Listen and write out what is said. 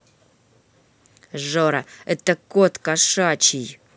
жора это кот кошачий